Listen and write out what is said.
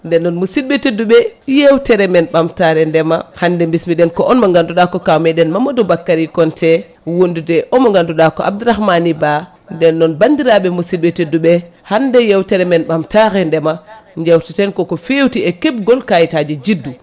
nden noon musidɓe tedduɓe yewtere men ɓamtare ndeema hande bismiɗen ko on mo ganduɗa ko kaw meɗen Mamadou Bakary Konté wondude omo ganduɗa ko Abdourahmani Ba nden noon bandiraɓe musidɓe tedduɓe hande yewtere men ɓamtare ndeema jewteten ko ko fewti e kebgol kayitaji juddu